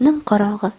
nim qorong'i